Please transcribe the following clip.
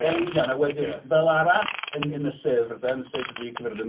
Yn union, a wedyn fel arall yn y llyfr 'de... yn Llyfr Du Caerfyrddin